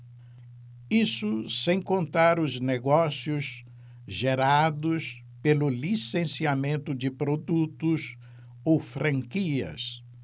isso sem contar os negócios gerados pelo licenciamento de produtos ou franquias